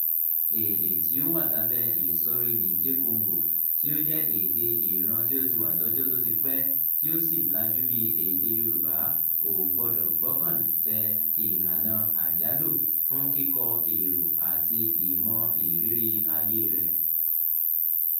Èdè tí ó wà lábẹ́ ìsọ̀rí Niger-Congo tí ó jẹ́ èdè ìran tí ó ti wà lọ́jọ́ tó ti pẹ́ tí ó sì lajú bí èdè Yorùbá ò gbọdọ̀ gbọ́kàn tẹ ìlànà àyálò fún kíkọ èrò àti ìmọ̀ ìrírí ayé rẹ̀.